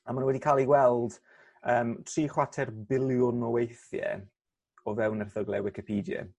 a ma' n'w wedi ca'l 'u weld yym tri chwater biliwn o weithie o fewn erthygle wicipedie.